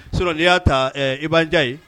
Sɔ'i y'a ta ibanjan ye